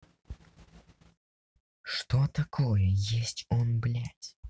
что такое есть он блядь